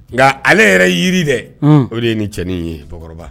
Nka ale yɛrɛ yeli dɛ o de ye ni cɛnin ye cɛkɔrɔba.